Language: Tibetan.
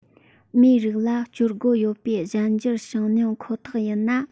མིའི རིགས ལ སྤྱོད སྒོ ཡོད པའི གཞན འགྱུར བྱུང མྱོང ཁོ ཐག ཡིན ན